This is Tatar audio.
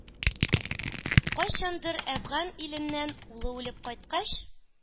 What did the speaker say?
Кайчандыр Әфган иленнән улы үлеп кайткач,